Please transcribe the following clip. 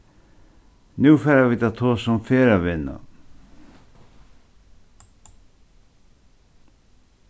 nú fara vit at tosa um ferðavinnu